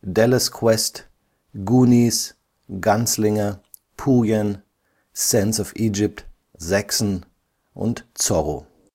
Dallas Quest Goonies Gunslinger Pooyan Sands of Egypt Zaxxon Zorro